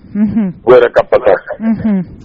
Yɛrɛ ka pa kan